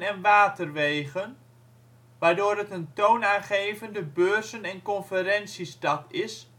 en waterwegen, waardoor het een toonaangevende beurzen - en conferentiestad is